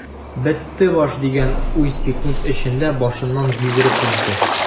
"бетте баш” дигән уй секунд эчендә башыннан йөгереп узды.